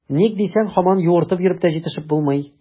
Ник дисәң, һаман юыртып йөреп тә җитешеп булмый.